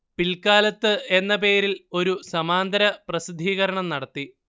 പിൽക്കാലത്ത് എന്ന പേരിൽ ഒരു സമാന്തര പ്രസിദ്ധീകരണം നടത്തി